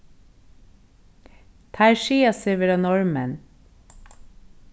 teir siga seg vera norðmenn